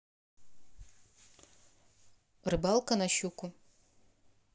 рыбалка на щуку